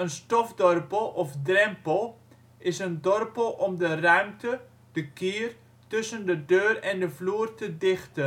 stofdorpel of drempel is een dorpel om de ruimte (kier) tussen de deur en de vloer te dichten